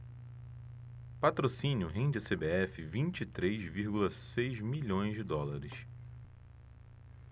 patrocínio rende à cbf vinte e três vírgula seis milhões de dólares